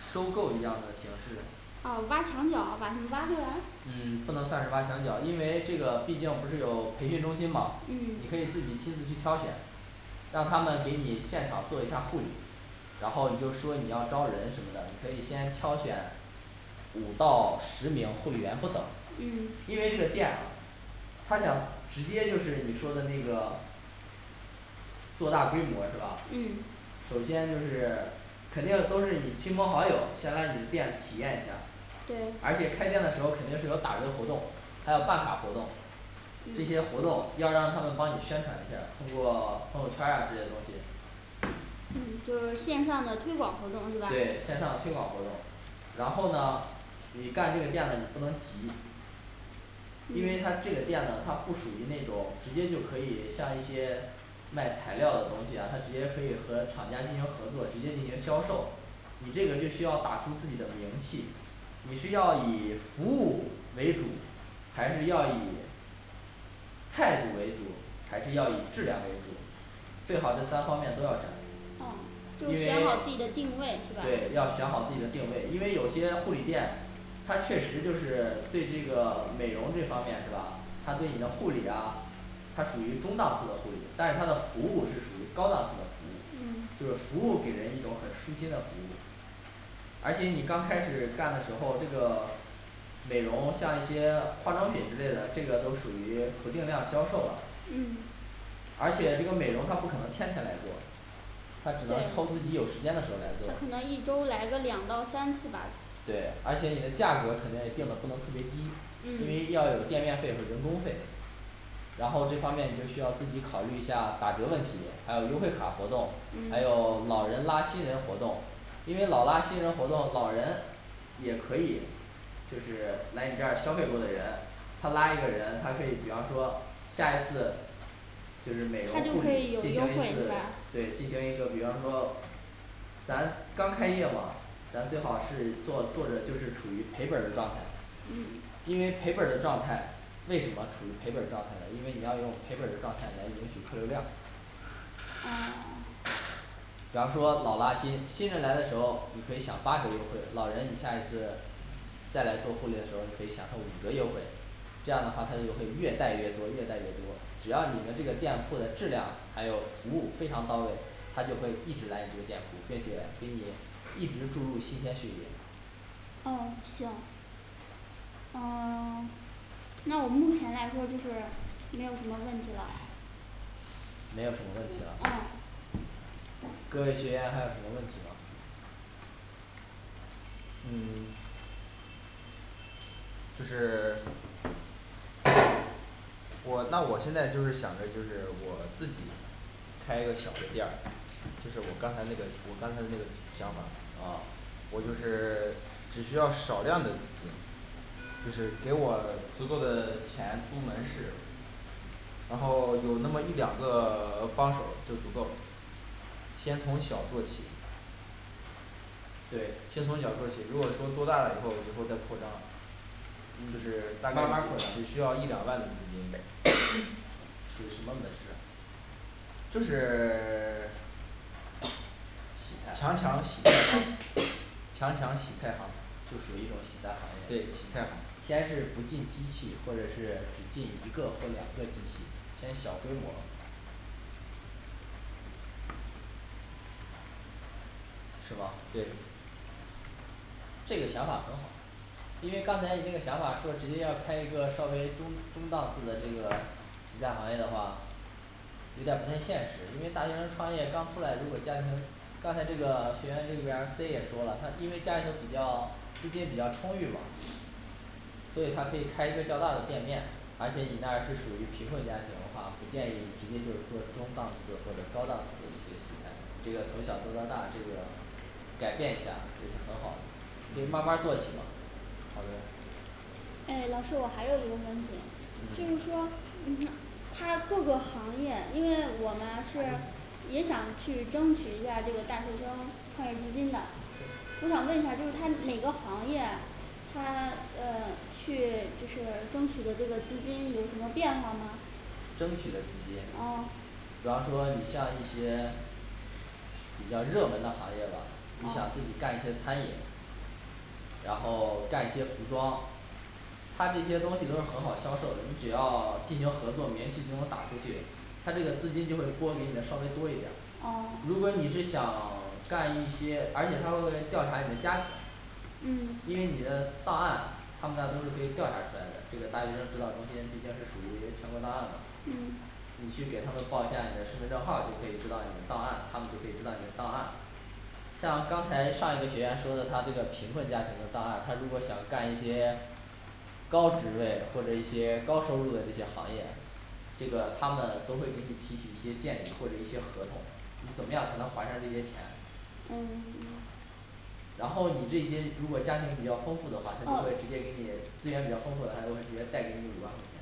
收购以这样的形式哦挖墙脚儿，把她们挖过来，嗯不能算是挖墙脚儿，因为这个毕竟不是有培训中心嘛，你可以嗯自己亲自去挑选让她们给你现场做一下儿护理，然后你就说你要招人什么的，你可以先挑选五到十名护理员不等，嗯因为这店啊他想直接就是你说的那个做大规模是吧嗯？首先就是肯定都是你亲朋好友先来你店体验一下儿对，而且开店的时候肯定是有打折活动，还有办卡活动，这些嗯活动要让他们帮你宣传一下儿，通过朋友圈儿啊这些东西，嗯就是线上的推广活动是吧？对线上的推广活动然后呢你干这个店呢你不能急因为它嗯这个店呢它不属于那种直接就可以像一些卖材料的东西啊，它直接可以和厂家进行合作，直接进行销售，你这个就需要打出自己的名气，你是要以服务为主，还是要以态度为主，还是要以质量为主最好这三方面都要这样哦。因就为选好自己的定位是吧？对，要选好自己的定位，因为有些护理店它确实就是对这个美容这方面是吧，它对你的护理啊它属于中档次的护理，但是它的服务是属于高档次的服务嗯，就是服务给人一种很舒心的服务而且你刚开始干的时候这个美容像一些化妆品之类的这个都属于不定量销售了而且这个美容她不可能天天来做，她只能抽对自己有时间的时候儿来做她可能一周来个两到三次吧，对，而且你的价格肯定也定的不能特别低，因为嗯要有店面费和人工费然后这方面你就需要自己考虑一下打折问题，还有优惠卡活动，还嗯有老人拉新人活动，因为老拉新人活动，老人也可以就是来你这儿消费过的人，她拉一个人，她可以比方说下一次就是美她容就护可以理有进优行一惠是次吧？对进行一个比方说咱刚开业嘛，咱最好是做做的就是处于赔本儿的状态嗯，因为赔本儿的状态为什么处于赔本儿状态呢，因为你要用赔本儿的状态来引取客流量啊 比方说老拉新新人来的时候，你可以享八折优惠，老人你下一次再来做护理的时候，你可以享受五折优惠，这样的话她就会越带越多越带越多，只要你们这个店铺的质量还有服务非常到位，她就会一直来你的店铺，并且给你一直注入新鲜血液。嗯行嗯 那我目前来说就是没有什么问题了没有什么问题了嗯。各位学员还有什么问题吗？嗯就是 我那我现在就是想着就是我自己开一个小的店儿，就是我刚才那个我刚才那个想法儿哦我就是 只需要少量的资金就是给我足够的钱租门市，然后有那么一两个 帮手就足够先从小做起。对先从小做起，如果说做大了以后以后再扩张就是大慢概慢扩就张，是只需要一两万的资金 什么门市啊就是 洗菜强强洗菜行行 强强洗菜行就属于一种洗菜。行业对洗菜行，先是不进机器，或者是只进一个或两个机器。先小规模是吗对这个想法很好因为刚才你这个想法儿说直接要开一个稍微中中档次的这个洗菜行业的话，有点儿不太现实，因为大学生创业刚出来，如果家庭刚才这个学员这边儿C也说了，她因为家庭比较资金比较充裕嘛所以她可以开一个较大的店面，而且你那儿是属于贫困家庭的话，不建议你直接就是做中档次或者高档次的一些洗菜。这个从小到大这个改变一下很好。就慢儿慢儿做起嘛好的哎老师我还有一个问题，就是说你他各个行业，因为我呢是也想去争取一下儿这个大学生创业基金的，我想问一下就是他哪个行业他嗯去就是争取的这个资金有什么变化吗争取的资金？啊，比方说你像一些比较热门的行业吧，你想自己嗯干一些餐饮然后 干一些服装他这些东西都是很好销售的，你只要进行合作名气就能打出去，他这个资金就会拨给你的稍微多一点儿。哦如果你是想干一些，而且他会调查你的家庭嗯因为你的档案他们那儿都是可以调查出来的，这个大学生指导中心毕竟是属于全国档案的嗯你去给他们报一下你的身份证号儿，就可以知道你的档案，他们就可以知道你的档案。像刚才上一个学员说的他这个贫困家庭的档案，他如果想干一些高职位或者一些高收入的这些行业这个他们都会给你提取一些建议或者一些合同，你怎么样才能还上这些钱？嗯 然后你这些如果家庭比较丰富的话，他就哦会直接给你资源比较丰富的，他就会直接贷给你五万块钱